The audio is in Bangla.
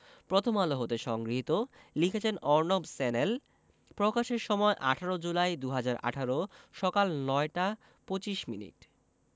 প্রথম আলো হতে সংগৃহীত লিখেছেন অর্ণব স্যান্যাল প্রকাশের সময় ১৮ জুলাই ২০১৮ সকাল ৯টা ২৫ মিনিট